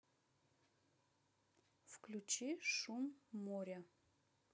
включи шум моря